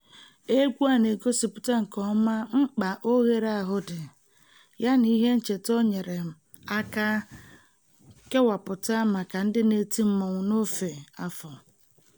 Egwu a na-egosipụta nke ọma mkpa oghere ahụ dị, yana ihe ncheta o nyere aka kepụta maka ndị na-eti mmọnwụ n'ofe afọ.